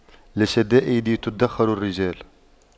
للشدائد تُدَّخَرُ الرجال